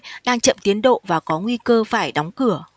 đang chậm tiến độ và có nguy cơ phải đóng cửa